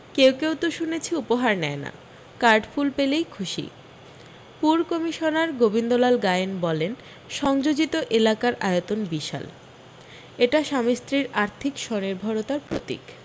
কেউ কেউ তো শুনেছি উপহার নেয় না কার্ড ফুল পেলেই খুশি পুর কমিশনার গোবিন্দলাল গায়েন বলেন সংযোজিত এলাকার আয়তন বিশাল এটা স্বামী স্ত্রীর আর্থিক স্বনির্ভরতার প্রতীক